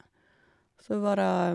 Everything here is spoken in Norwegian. Så var det...